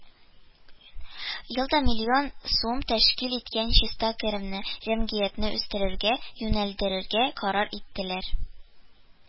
Елда миллион сум тәшкил иткән чиста керемне җәмгыятьне үстерергә юнәлдерергә карар иттеләр